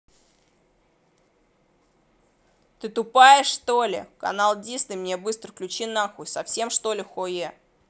ты тупая что ли канал disney мне быстро включи нахуй совсем что ли хуа